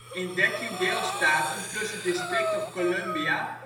In dertien deelstaten plus het District of Columbia